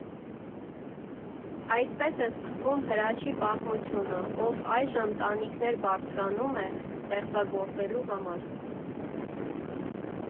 Այսպես է սկսվում Հրաչի պատմությունը, ով այժմ տանիքներ բարձրանում է ստեղծագործելու համար։